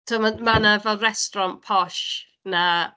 Timod, ma' ma' 'na fel resturant posh 'na.